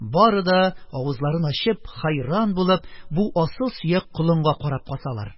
Бары да, авызларын ачып, хәйран булып, бу асыл сөяк колынга карап каталар.